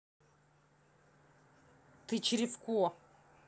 ты черевко